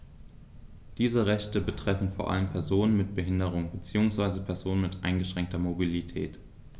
Diese Rechte betreffen vor allem Personen mit Behinderung beziehungsweise Personen mit eingeschränkter Mobilität.